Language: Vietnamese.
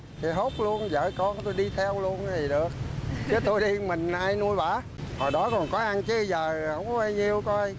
thì hốt luôn vợ con tôi đi theo luôn thì được chứ tôi đi một mình rồi ai nuôi bả hồi đó còn có ăn chứ giờ có bao nhiêu coi